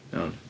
Iawn.